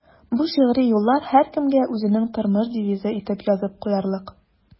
Бу шигъри юллар һәркемгә үзенең тормыш девизы итеп язып куярлык.